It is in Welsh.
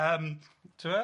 Yym ti 'mod?